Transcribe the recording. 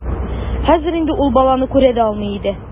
Хәзер инде ул баланы күрә дә алмый иде.